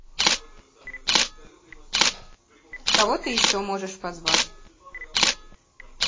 кого ты еще можешь позвать